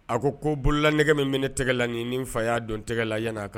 A ko ko bololanɛgɛ min bɛ ne tɛgɛ la nin ye ni n fa y'a don tɛgɛ la yan'a ka